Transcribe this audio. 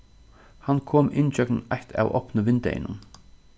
hann kom inn ígjøgnum eitt av opnu vindeygunum